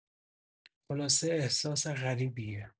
خلاصه احساس غریبیه